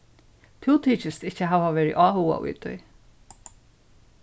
tú tykist ikki hava verið áhugað í tí